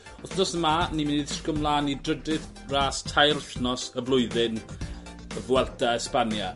Wthnos 'ma ni myn' i dishgwl mlan i drydydd ras tair wythnos y flwyddyn y Vuelta Espania.